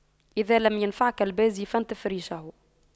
إذا لم ينفعك البازي فانتف ريشه